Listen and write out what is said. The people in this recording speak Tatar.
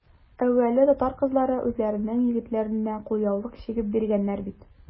Әүвәле татар кызлары үзләренең егетләренә кулъяулык чигеп биргәннәр бит.